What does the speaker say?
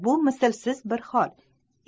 bu mislsiz bir hol